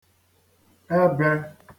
ebē